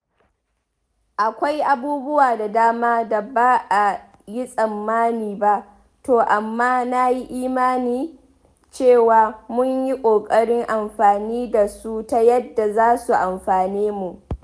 Akwai abubuwa da dama da ba a yi tsammani ba, to amma na yi imanin cewa mun yi ƙoƙarin amfani da su ta yadda za su amfane mu.